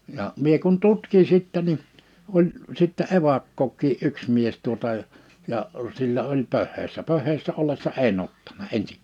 ja minä kun tutkin sitten niin oli sitten evakkokin yksi mies tuota ja sillä oli pöheissä pöheissä ollessa en ottanut ensinkään